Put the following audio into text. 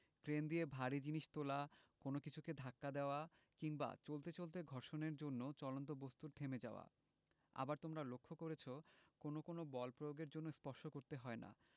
crane দিয়ে ভারী জিনিস তোলা কোনো কিছুকে ধাক্কা দেওয়া কিংবা চলতে চলতে ঘর্ষণের জন্য চলন্ত বস্তুর থেমে যাওয়া আবার তোমরা লক্ষ করেছ কোনো কোনো বল প্রয়োগের জন্য স্পর্শ করতে হয় না